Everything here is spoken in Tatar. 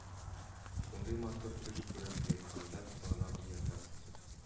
Шундый матур төш күреп ятканда гына уятасыз